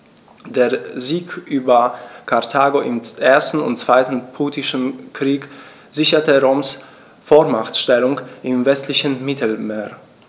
Der Sieg über Karthago im 1. und 2. Punischen Krieg sicherte Roms Vormachtstellung im westlichen Mittelmeer.